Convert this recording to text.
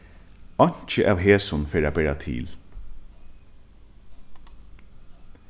einki av hesum fer at bera til